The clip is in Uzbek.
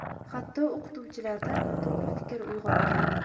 hatto o'qituvchilarda noto'g'ri fikr uyg'otgan